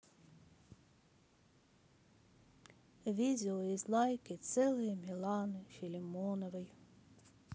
видео из лайки целые миланы филимоновой